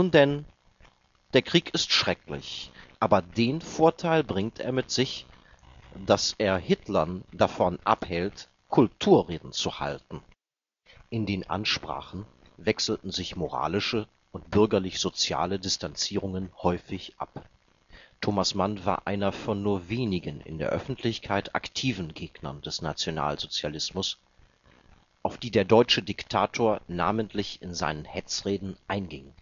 denn, der Krieg ist schrecklich, aber den Vorteil bringt er mit sich, dass er Hitlern davon abhält, Kulturreden zu halten. “In den Ansprachen wechselten sich moralische und bürgerlich-soziale Distanzierungen häufig ab. Thomas Mann war einer von nur wenigen in der Öffentlichkeit aktiven Gegnern des Nationalsozialismus, auf die der deutsche Diktator namentlich in seinen Hetzreden einging